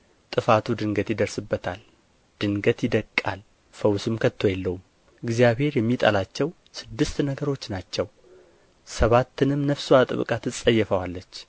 ጥፋቱ ድንገት ይደርስበታል ድንገት ይደቅቃል ፈውስም ከቶ የለውም እግዚአብሔር የሚጠላቸው ስድስት ነገሮች ናቸው ሰባትንም ነፍሱ አጥብቃ ትጸየፈዋለች